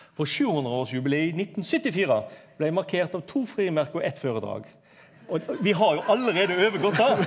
for sjuhundreårsjubileet i 1974 blei markert av to frimerke og eitt føredrag og vi har jo allereie overgått det.